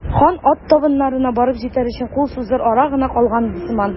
Хан ат табыннарына барып җитәр өчен кул сузыр ара гына калган иде сыман.